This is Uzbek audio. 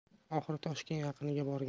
oxiri toshkent yaqiniga borgan